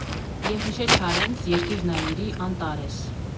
ԵՂԻՇԵ ՉԱՐԵՆՑ, «ԵՐԿԻՐ ՆԱՅԻՐԻ», ԱՆՏԱՐԵՍ։